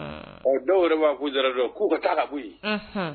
Ɔ dɔw yɛrɛ wa'u don k'u ka taa la koyi ye